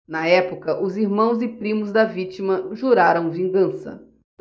na época os irmãos e primos da vítima juraram vingança